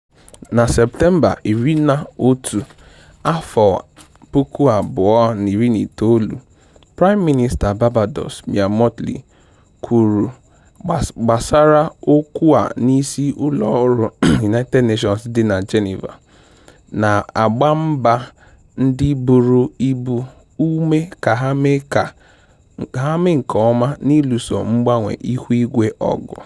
Na Septemba 11, 2019, Prime Minister Barbados, Mia Mottley, kwuru gbasara okwu a n'isi ụlọọrụ United Nations dị na Geneva, na-agba mba ndị buru ibu ume ka ha mee nke ọma n'ịlụso mgbanwe ihuigwe ọgụ